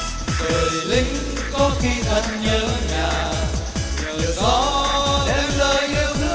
đời lính có khi thật nhớ nhà nhờ gió đem lời yêu thương